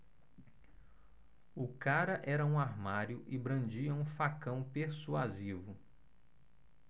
o cara era um armário e brandia um facão persuasivo